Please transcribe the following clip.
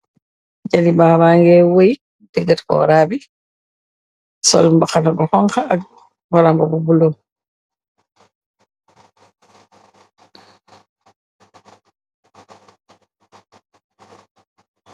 Jalibaa baañgi wëy të def koora bi, sol mbaxana bu xoñxa ak garaambuba bu buluu.